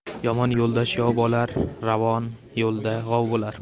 yomon yo'ldosh yov bo'lar ravon yo'lda g'ov bo'lar